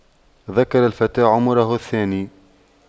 ذكر الفتى عمره الثاني